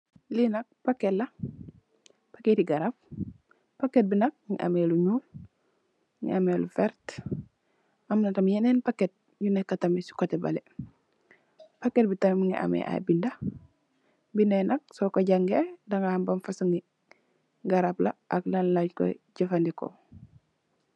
lenakpacket la packet ti garam packet bi nak mingi ammi lo nuul mingi ammi lo wert amnah tarimit yeen packet yu neka ci koteh balleh packet bi nak mingi ammi ayibinidi yi nak soko jaggeh daga ham ban fahsion ni garam la ak lan lanko jafarr dih ko.